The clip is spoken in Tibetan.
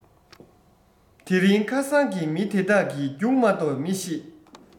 དེ རིང ཁ སང གི མི དེ དག གིས རྒྱུགས མ གཏོགས མི ཤེས